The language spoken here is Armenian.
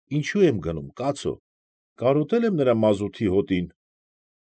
Ինչո՞ւ եմ գնում, կացո՛, կարոտե՞լ եմ նրա մազութի հոտին։